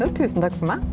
jo tusen takk for meg.